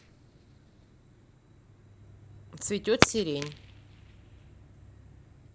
цветет сирень